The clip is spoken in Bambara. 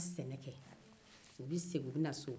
u bɛ sɛnɛ ke u bɛ segin ka na so